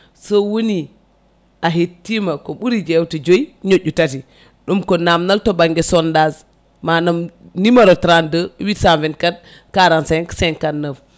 so woni a hettima ko ɓuuri jewte joyyi ñoƴƴu tati ɗum ko namnal to banggue sondage manam numéro 32 824 45 59